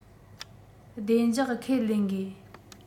བདེ འཇགས ཁས ལེན དགོས